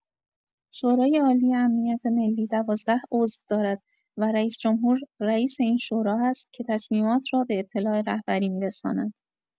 شورای‌عالی امنیت ملی ۱۲ عضو دارد و رئیس‌جمهور، رئیس این شورا هست که تصمیمات را به اطلاع رهبری می‌رساند.